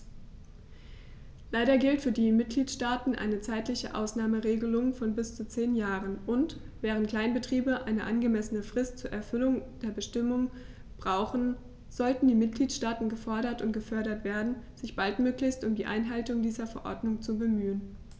Leider gilt für die Mitgliedstaaten eine zeitliche Ausnahmeregelung von bis zu zehn Jahren, und, während Kleinbetriebe eine angemessene Frist zur Erfüllung der Bestimmungen brauchen, sollten die Mitgliedstaaten gefordert und gefördert werden, sich baldmöglichst um die Einhaltung dieser Verordnung zu bemühen.